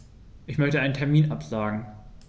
Ich möchte einen Termin absagen.